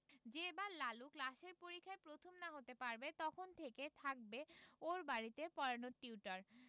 যে বার লালু ক্লাসের পরীক্ষায় প্রথম না হতে পারবে তখন থেকে থাকবে ওর বাড়িতে পড়ানোর টিউটার